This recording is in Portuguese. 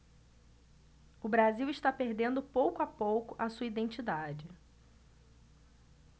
o brasil está perdendo pouco a pouco a sua identidade